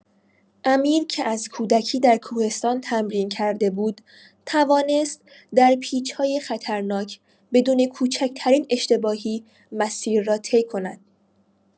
امیر که از کودکی در کوهستان تمرین کرده بود، توانست در پیچ‌های خطرناک بدون کوچک‌ترین اشتباهی مسیر را طی کند.